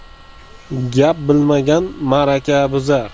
gap bilmagan ma'raka buzar